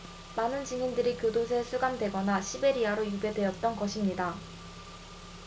많은 증인들이 교도소에 수감되거나 시베리아로 유배되었던 것입니다